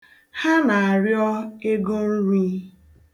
Ha na-arịọ ego nri.